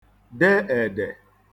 de èdè